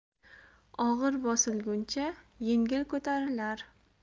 og'ir bosilguncha yengil ko'tarilar